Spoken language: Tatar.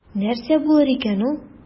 Нәрсә булыр икән ул?